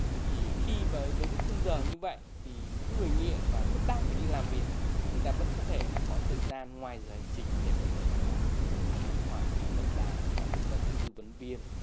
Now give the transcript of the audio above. thế thì khi với với cái khung giờ như vậy thì những người nghiện mà vẫn đang phải đi làm việc người ta vẫn có thể là có thời gian ngoài giờ hành chính để có thể là là điện thoại đến tổng đài và được các cái tư vấn viên